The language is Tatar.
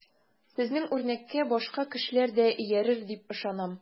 Сезнең үрнәккә башка кешеләр дә иярер дип ышанам.